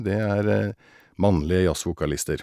Det er mannlige jazzvokalister.